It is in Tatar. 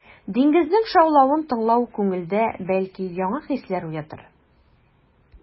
Диңгезнең шаулавын тыңлау күңелдә, бәлки, яңа хисләр уятыр.